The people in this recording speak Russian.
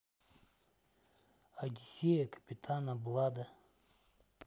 одиссея капитана блада